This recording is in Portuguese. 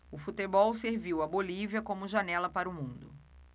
o futebol serviu à bolívia como janela para o mundo